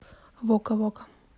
вока вока